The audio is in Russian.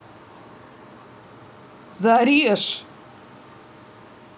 зарежь